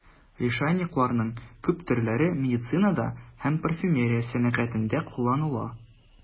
Лишайникларның күп төрләре медицинада һәм парфюмерия сәнәгатендә кулланыла.